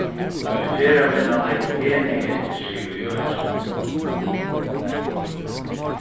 tí ferðavinnan leggur pening eftir seg í økinum